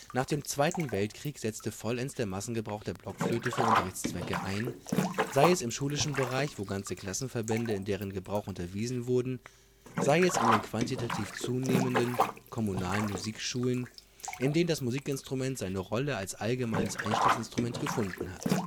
Nach dem Zweiten Weltkrieg setzte vollends der Massengebrauch der Blockflöte für Unterrichtszwecke ein, sei es im schulischen Bereich, wo ganze Klassenverbände in deren Gebrauch unterwiesen wurden, sei es in den quantitativ zunehmenden (kommunalen) Musikschulen, in denen das Musikinstrument seine Rolle als allgemeines Einstiegsinstrument gefunden hat